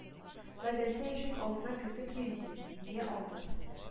Мәдрәсә ишек алдына кертеп йөрисез? дия алды.